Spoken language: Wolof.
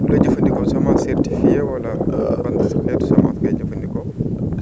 looy jëfandikoo semence certifiée wala ban xeetu semence ngay jëfandikoo